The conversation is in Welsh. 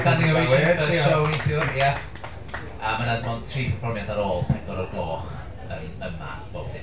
Standing ovation yn y show neithiwr, ia. A mae 'na dim mond tri perfformiad ar ôl pedwar o'r gloch, dan ni yma bob dydd.